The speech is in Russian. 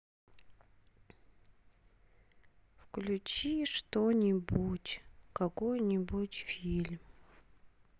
включи что нибудь какой нибудь фильм